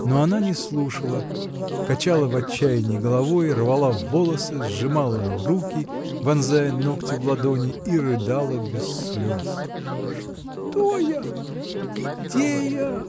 Но она не слушала, качала в отчаянии головой, рвала волосы, сжимала руки, вонзая ногти в ладони, и рыдала без слез. — Что я, где я?